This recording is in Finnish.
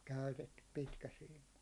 käytetty pitkäsiima